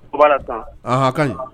O b'a la ssisan, anhan a ka ɲi